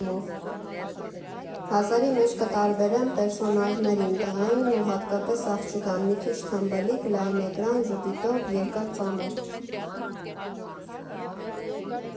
Հազարի մեջ կտարբերեմ պերսոնաժներին՝ տղային ու հատկապես աղջկան՝ մի քիչ թմբլիկ, լայնէկրան ժպիտով, երկար ծամով։